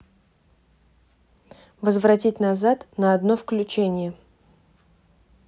возвратить назад на одно включение